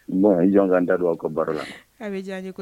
Jɔn ka n da don aw ko baro la aw bɛ diya